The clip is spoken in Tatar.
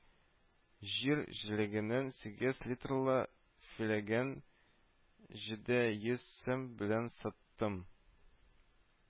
Җир җиләгенең сигез литрлы чиләген җиде йөз сум белән саттым